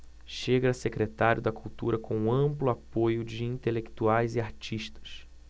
chega a secretário da cultura com amplo apoio de intelectuais e artistas